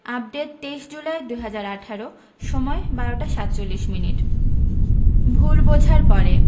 update ২৩ July ২০১৮ সময় ১২টা ৪৭ minute ভুল বোঝার পরে